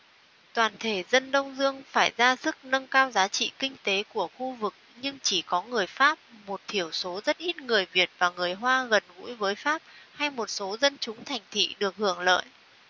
toàn thể dân đông dương phải ra sức nâng cao giá trị kinh tế của khu vực nhưng chỉ có người pháp một thiểu số rất ít người việt và người hoa gần gũi với pháp hay một số dân chúng thành thị được hưởng lợi